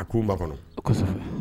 A ko ba kɔnɔ